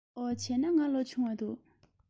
འོ བྱས ན ང ལོ ཆུང བ འདུག